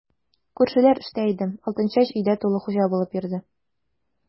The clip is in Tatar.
Күршеләр эштә иде, Алтынчәч өйдә тулы хуҗа булып йөрде.